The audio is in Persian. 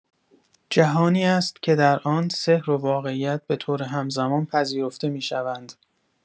جهانی است که در آن سحر و واقعیت به‌طور همزمان پذیرفته می‌شوند.